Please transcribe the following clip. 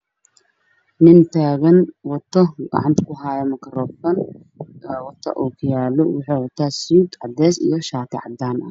Nin taagan wata wuxuu gacanta ku hayaa makaroofan wuxuu wataa ok yaallo wuxuu wataa suud caddees iyo shati cadaan ah